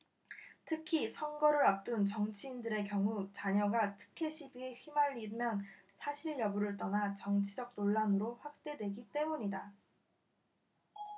특히 선거를 앞둔 정치인들의 경우 자녀가 특혜시비에 휘말리면 사실여부를 떠나 정치적 논란으로 확대되기 때문이다